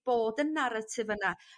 bod y naratif yna